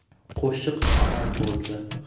qo'shiq tamom bo'ldi